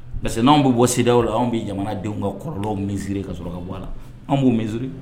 Parce n'anw bɛ bɔ siw la anw bɛ jamanadenw ka kɔrɔlɔlɔnw minsiriri ka sɔrɔ ka bɔ a la anw b'u misisiriri